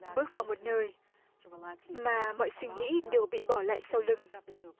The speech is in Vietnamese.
bước vào một nơi mà mọi suy nghĩ đều bị bỏ lại sau lưng